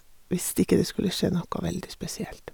Hvis ikke det skulle skje noe veldig spesielt.